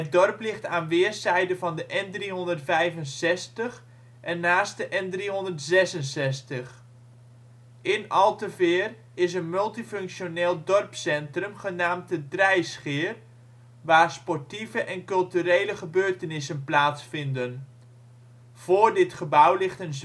dorp ligt aan weerszijden van de N365 en naast de N366. In Alteveer is een multifunctioneel dorpscentrum genaamd de Drijscheer, waar sportieve en culturele gebeurtenissen plaatsvinden. Voor dit gebouw ligt een